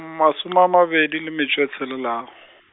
masome a mabedi le metšo e tshelelago.